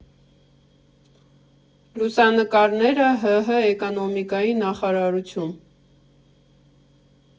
Լուսանկարները՝ ՀՀ էկոնոմիկայի նախարարություն։